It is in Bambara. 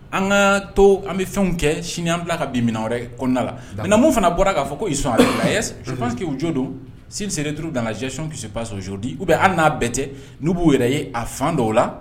An ka to an bɛ fɛnw kɛ sinian bila ka bin minɛ wɛrɛ kɔnɔna la fana bɔra k'a fɔ ko son a suke u joo don seli serare duuruuru nanackisɛsɔp joodi bɛ an n'a bɛɛ tɛ n'u b'u yɛrɛ ye a fan dɔw o la